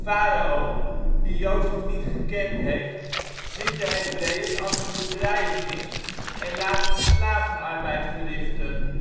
farao (die Jozef niet gekend heeft) ziet de Hebreeën als een bedreiging en laat hun slavenarbeid verrichten.